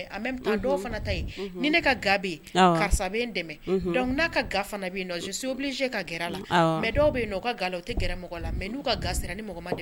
G bɛ ka la